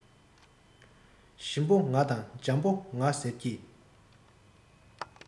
ཞིམ པོ ང དང འཇམ པོ ང ཟེར གྱི